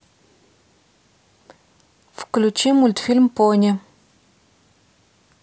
включи мультфильм пони